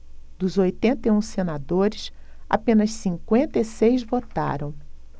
dos oitenta e um senadores apenas cinquenta e seis votaram